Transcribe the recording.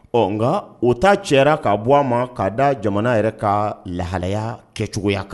Ɔ nka o ta cɛra k'a bɔ a ma k'a da jamana yɛrɛ ka lahalaya kɛcogoya kan.